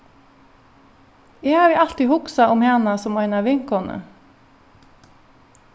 eg havi altíð hugsað um hana sum eina vinkonu